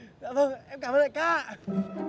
dạ vâng em cảm ơn đại ca ạ